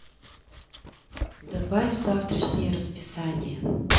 добавь в завтрашнее расписание